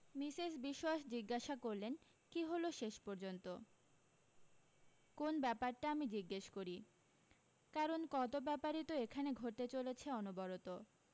Mrs Biswas জিজ্ঞাসা করলেন কী হলো শেষ পর্য্যন্ত কোন ব্যাপারটা আমি জিজ্ঞেস করি কারণ কত ব্যাপারই তো এখানে ঘটে চলেছে অনবরত